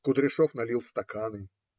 Кудряшов налил стаканы.